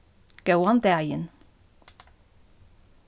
góðan dagin